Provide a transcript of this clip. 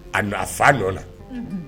A a fa nɔ na